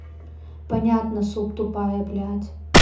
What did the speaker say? понятно суп тупая блядь